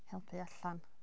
Helpu allan.